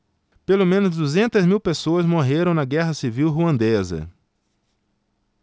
pelo menos duzentas mil pessoas morreram na guerra civil ruandesa